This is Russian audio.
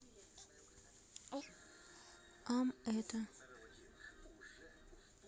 ам это